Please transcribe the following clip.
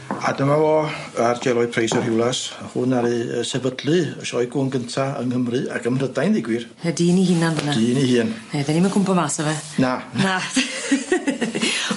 A dyma fo Are Jay Roy Price o Rhiwlas, hwn ddaru yy sefydlu y sioe gwn gynta yng Nghymru ag ym Mhrydain ddeu' gwyr. Y dyn 'i hunan fan 'na. Dyn ei hun. Ie fe'n ni'm yn cwmpo mas â fe. Na. Na.